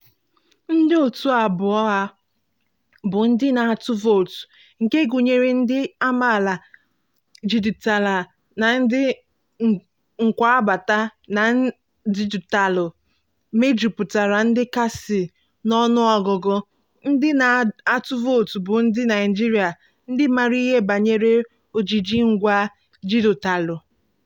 Ndị òtù abụọ a bụ ndị na-atụ vootu, nke gụnyere ndị amaala dijitalụ na ndị nkwabata na dijitalụ, mejupụtara ndị kasị n'ọnụọgụgụ ndị na-atụ vootu bụ ndị Naịjirịa ndị maara ihe banyere ojiji ngwa dijitalụ.